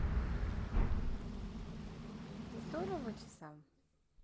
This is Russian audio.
здорово часам